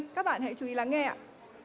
các bạn hãy chú ý lắng nghe